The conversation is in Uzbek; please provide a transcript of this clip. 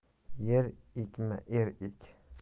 yer ekma er ek